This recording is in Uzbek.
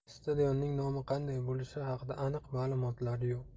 stadionning nomi qanday bo'lishi haqida aniq ma'lumotlar yo'q